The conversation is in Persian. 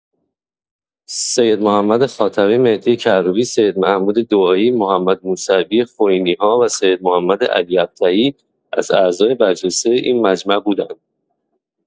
سیدمحمد خاتمی، مهدی کروبی، سیدمحمود دعایی، محمد موسوی خوئینی‌ها و سید محمد‌علی ابطحی از اعضای برجسته این مجمع بودند.